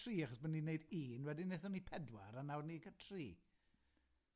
...tri achos bo' ni'n neud un wedyn nethon ni pedwar. A nawr ni ca' tri.